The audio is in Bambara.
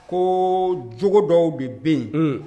Koo jugu dɔw de bɛ yen, unhun.